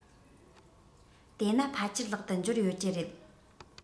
དེས ན ཕལ ཆེར ལག ཏུ འབྱོར ཡོད ཀྱི རེད